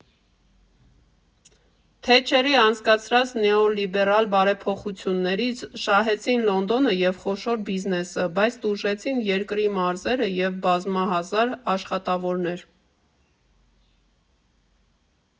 Թետչերի անցկացրած նեոլիբերալ բարեփոխումներից շահեցին Լոնդոնը և խոշոր բիզնեսը, բայց տուժեցին երկրի մարզերը և բազմահազար աշխատավորներ։